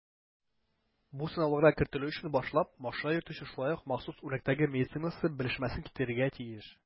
Бу сынауларга кертелү өчен башлап машина йөртүче шулай ук махсус үрнәктәге медицинасы белешмәсен китерергә тиеш.